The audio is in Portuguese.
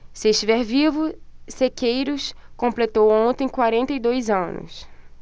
se estiver vivo sequeiros completou ontem quarenta e dois anos